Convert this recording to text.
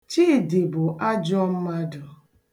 Chidi bụ ajọọ mmadụ.